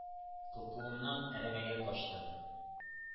Куркуымнан әрәмәгә качтым...